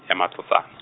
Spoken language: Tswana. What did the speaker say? ya Matlosana.